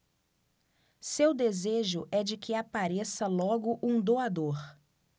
seu desejo é de que apareça logo um doador